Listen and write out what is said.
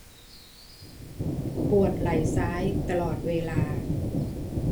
ปวดไหล่ซ้ายตลอดเวลา